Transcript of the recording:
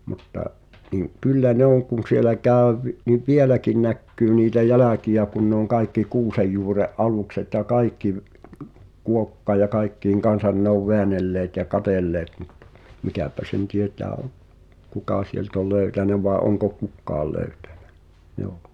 mutta niin kyllä ne on kun siellä käy - niin vieläkin näkyy niitä jälkiä kun ne on kaikki kuusenjuuren alukset ja kaikki - kuokkien ja kaikkien kanssa ne on väännelleet ja katselleet mutta mikäpä sen tietää on kuka sieltä oli löytänyt vai onko kukaan löytänyt joo